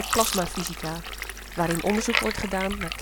Plasmafysica - waarin onderzoek wordt gedaan